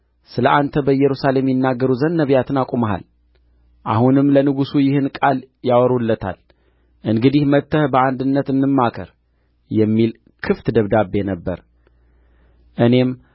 ስለ አንተ በኢየሩሳሌም ይናገሩ ዘንድ ነቢያትን አቁመሃል አሁንም ለንጉሡ ይህን ቃል ያወሩለታል እንግዲህ መጥተህ በአንድነት እንማከር የሚል ክፍት ደብዳቤ ነበረ እኔም